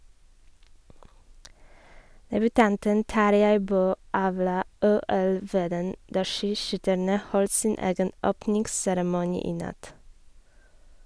Debutanten Tarjei Bø avla "OL-veden" da skiskytterne holdt sin egen åpningsseremoni i natt.